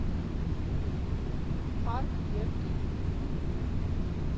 Փառք և կիրք։